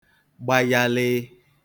gba yalịị